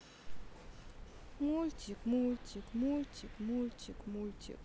мультик мультик мультик мультик мультик